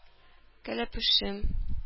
Кәләпүшем